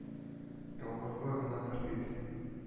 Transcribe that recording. Ялгызы гынадыр бит